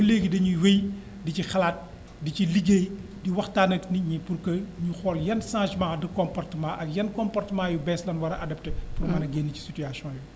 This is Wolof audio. ba léegi ñu ngi wéy di ci xalaat di ci liggéey di waxtaan ak nit ñi pour que ñu xoolyan changement de comportement ak yan comportement yu bees la ñu war a adopté pour mën a génn ci situation yooyu